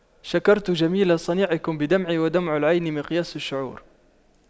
شكرت جميل صنعكم بدمعي ودمع العين مقياس الشعور